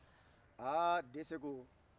fɔlɔfɔlɔla